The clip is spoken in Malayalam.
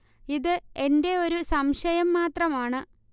ഇത് എന്റെ ഒരു സംശയം മാത്രമാണ്